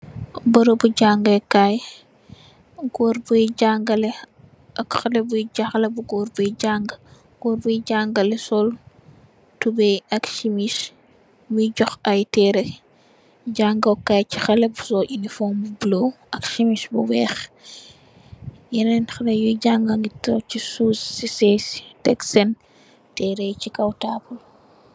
Borobu jangeh Kai gorr buy jangale ak xaleh bu gorr buy jangu gorr buy jangale sol tuboy ak simiss muy jokh ayy tere jango Kay si xaleh bu sol illifong bu bulo ak simiss bu wekh yenen xaleh yuy janga ngi tok si suff si sesyi tek sen tereyi si kaw tabule bi.